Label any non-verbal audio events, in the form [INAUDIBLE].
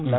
[HESITATION] [HESITATION]